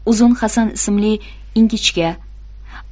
uzun hasan ismli ingichka